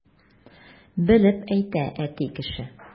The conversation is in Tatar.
Белеп әйтә әти кеше!